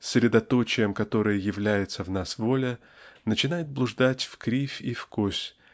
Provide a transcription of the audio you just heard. средоточием которой является в нас воля начинает блуждать вкривь и вкось